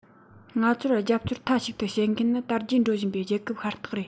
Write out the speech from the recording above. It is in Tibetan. ང ཚོར རྒྱབ སྐྱོར མཐའ གཅིག ཏུ བྱེད མཁན ནི དར རྒྱས འགྲོ བཞིན པའི རྒྱལ ཁབ ཤ སྟག རེད